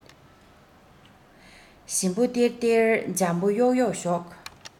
ཞིམ པོ སྟེར སྟེར འཇམ པོ གཡོག གཡོག ཞོག